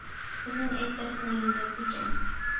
Үзең әйтерсең инде,— дигән.